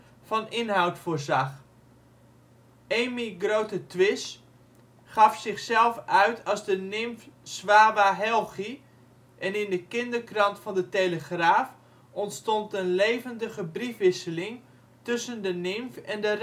inhoud voorzag. Amy Grothe-Twiss gaf zich uit als de nimf Swawa Helgi en in de kinderkrant van de Telegraaf ontstond een levendige briefwisseling tussen de nimf en de